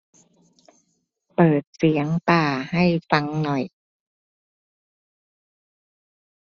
เปิดเสียงป่าให้ฟังหน่อย